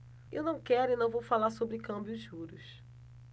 eu não quero e não vou falar sobre câmbio e juros